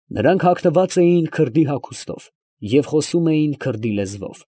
Նրանք հագնված էին քրդի հագուստով և խոսում էին քրդի լեզվով։